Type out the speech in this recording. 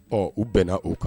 Ɔ u bɛnna o kan